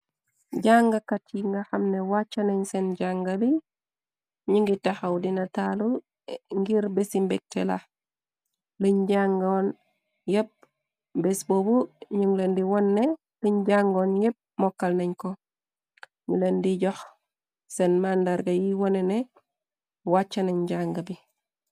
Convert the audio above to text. Jàngakat yi nga xamne wàccanañ seen jànga bi ñi ngi taxaw dina taalu ngir bési mbékte la luñ jàngoon yépp bés boobu ñu lan di wonne luñ jàngoon yépp mokkal nañ ko ñu lan di jox seen màndarga yi wone ne wàccanañ jànga bi.